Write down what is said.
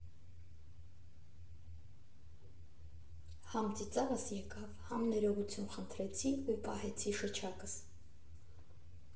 Համ ծիծաղս եկավ, համ ներողություն խնդրեցի ու պահեցի շչակս։